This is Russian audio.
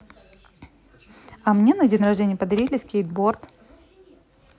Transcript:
а мне на день рождения подарили скейтборд